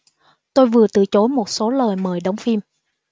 tôi vừa từ chối một số lời mời đóng phim